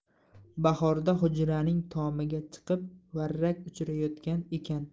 bahorda hujraning tomiga chiqib varrak uchirayotgan ekan